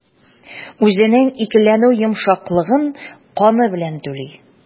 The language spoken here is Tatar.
Үзенең икеләнү йомшаклыгын каны белән түли.